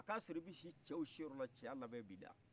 o ka sɔrɔ i bɛ si cɛ si yɔrɔ la cɛya labɛn bɛ i la